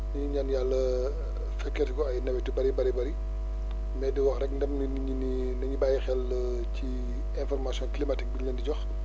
ñu ngi ñaan yàlla fekkeeti ko ay nawet yu bëree bëri mais di wax rek ndem nit ñi nañu bàyyi xel ci information climatique bi ñu leen di jox